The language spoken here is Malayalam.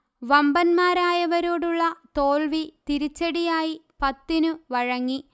വമ്പന്മാരായവരോടുള്ള തോല്വി തിരിച്ചടിയായി പത്തിനു വഴങ്ങി